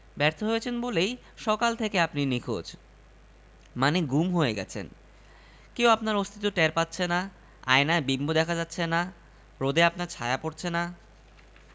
হা হা হা এই কথা আসলে হয়েছে কি আপনি যেমন গুম হয়ে গেছেন আমিও গুম হয়ে আছি আপনার মতো আমারও রোদে ছায়া পড়ে না বলেন কী আপনি গুম হলেন কীভাবে